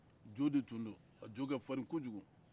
jo de tun don a jo ka farin kojogu